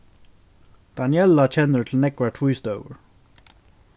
daniella kennir til nógvar tvístøður